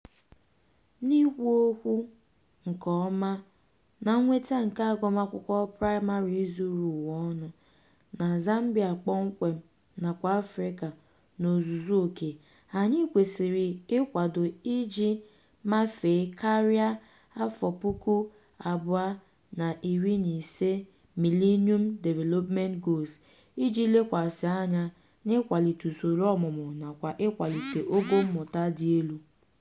N'ikwu okwu nke ọma, na nnweta nke agụmakwụkwọ praịmarị zuru ụwa ọnụ, na Zambia kpọmkwem nakwa Afrịka n'ozuzu oke, anyị kwesịrị ịkwado iji mafee karịa 2015 Millennium Development Goals iji lekwasị anya n'ịkwalite usoro ọmụmụ nakwa ịkwalite ogo mmụta dị elu.